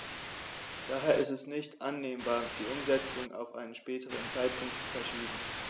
Daher ist es nicht annehmbar, die Umsetzung auf einen späteren Zeitpunkt zu verschieben.